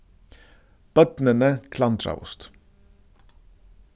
børnini klandraðust